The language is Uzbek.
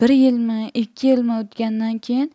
bir yilmi ikki yilmi o'tgandan keyin